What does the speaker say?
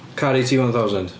Caru T one thousand.